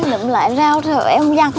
lượm lại rau hộ em dăng